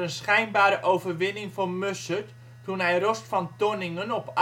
schijnbare overwinning voor Mussert, toen hij Rost van Tonningen op